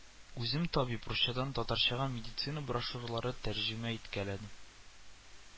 Үзем табиб, русчадан татарчага медицина брошюралары тәрҗемә иткәләдем